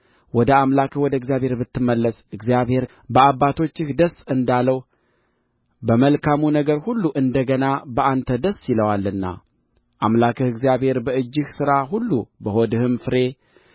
ወደ አምላክህ ወደ እግዚአብሔር ብትመለስ እግዚአብሔር በአባቶችህ ደስ እንዳለው በመልካሙ ነገር ሁሉ እንደ ገና በአንተ ደስ ይለዋልና አምላክህ እግዚአብሔር በእጅህ ሥራ ሁሉ በሆድህም ፍሬ